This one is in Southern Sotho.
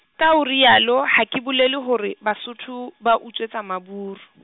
ka o re yalo, ha ke bolele hore, Basotho ba utswetsa Maburu.